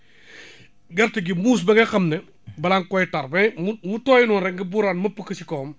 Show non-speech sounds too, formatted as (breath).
(breath) gerte gi muus ba nga xam ne balaa nga koy tar ba mu mu tooy noonu rek nga buuraan mëpp ko ci kawam